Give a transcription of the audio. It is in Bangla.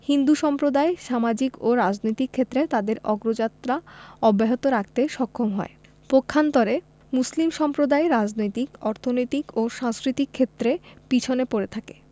হিন্দু সম্প্রদায় সামাজিক ও রাজনৈতিক ক্ষেত্রে তাদের অগ্রযাত্রা অব্যাহত রাখতে সক্ষম হয় পক্ষান্তরে মুসলিম সম্প্রদায় রাজনৈতিক অর্থনৈতিক ও সাংস্কৃতিক ক্ষেত্রে পেছনে পড়ে থাকে